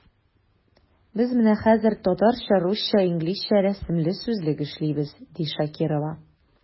Без менә хәзер “Татарча-русча-инглизчә рәсемле сүзлек” эшлибез, ди Шакирова.